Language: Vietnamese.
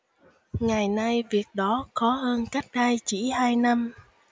ngày nay việc đó khó hơn cách đây chỉ hai năm